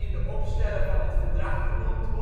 de opsteller van het verdrag genoemd